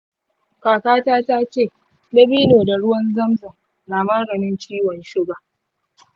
kakata ta ce dabino da ruwan zamzam na maganin ciwon suga.